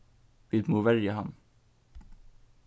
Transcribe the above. vit mugu verja hann